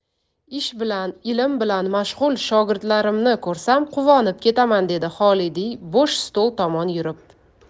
ish bilan ilm bilan mashg'ul shogirdlarimni ko'rsam quvonib ketaman dedi xolidiy bo'sh stol tomon yurib